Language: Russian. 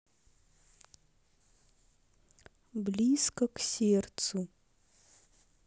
близко к сердцу